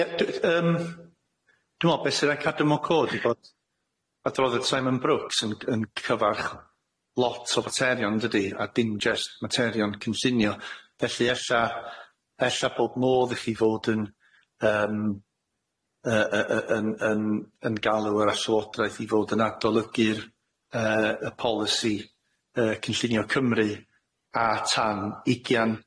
Ie d- yym dwi me'wl be' sy raid cadw mewn co yw bod adrodded Simon Brooks yn g- yn cyfarch lot o faterion dydi a dim jyst materion cynllunio felly ella ella bod modd i chi fod yn yym yy yy yn yn yn yn galw yr Llywodraeth i fod yn adolygu'r yy y polisi yy cynllunio Cymru a tan ugian.